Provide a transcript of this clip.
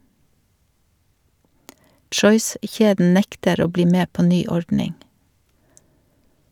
Choice-kjeden nekter å bli med på ny ordning.